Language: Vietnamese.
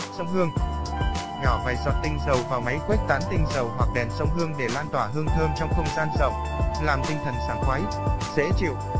xông hương nhỏ vài giọt tinh dầu vào máy khuếch tán tinh dầu hoặc đèn xông hương để lan tỏa hương thơm trong không gian rộng làm tinh thần sảng khoái dễ chịu